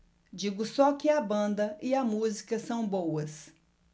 digo só que a banda e a música são boas